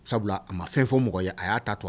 Sabula a ma fɛn fɔ mɔgɔ ye a y'a ta to